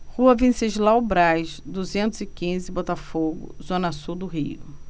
rua venceslau braz duzentos e quinze botafogo zona sul do rio